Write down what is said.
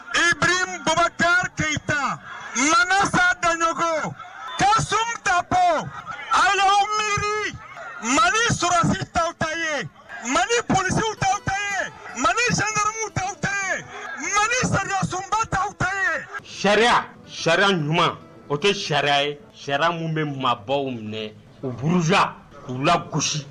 I bɛta ta ma sadajko ka sunta ala mi mali ssi tɔw ta ye mali psiw dɔw tɛ mali saka dɔw tɛ mali sa sunba taye sariya sariya ɲuman o kɛ sariya ye sariya minnu bɛ mabɔbaww minɛ u buruz z uu la gosisi